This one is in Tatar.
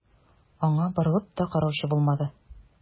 Аңа борылып та караучы булмады.